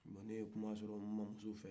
bon ne ye kuma sɔrɔ nmamamuso fɛ